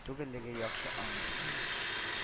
Түгеллеге яхшы аңлый иде